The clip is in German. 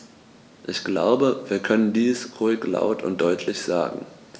Ich glaube, wir können dies ruhig laut und deutlich sagen.